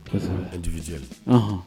Jurujɛ